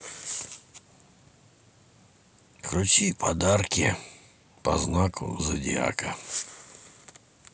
включи подарки по знаку зодиака